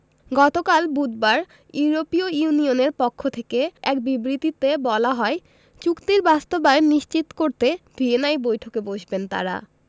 গতকাল বুধবার ইউরোপীয় ইউনিয়নের পক্ষ থেকে এক বিবৃতিতে বলা হয় চুক্তির বাস্তবায়ন নিশ্চিত করতে ভিয়েনায় বৈঠকে বসবেন তাঁরা